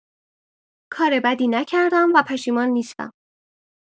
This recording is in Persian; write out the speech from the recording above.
کار بدی نکردم و پشیمان نیستم!